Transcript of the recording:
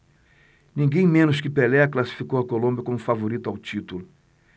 ninguém menos que pelé classificou a colômbia como favorita ao título